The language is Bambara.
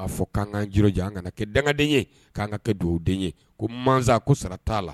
K'a fɔ k'an ka yijɛ an ka kɛ dangaden ye k'an ka kɛ dugawuden ye ko ma ko sara t'a la